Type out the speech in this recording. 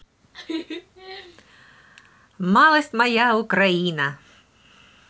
малость моя украина